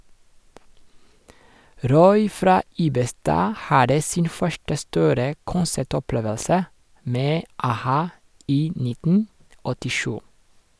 Roy fra Ibestad hadde sin første store konsertopplevelse med a-ha i 19 87.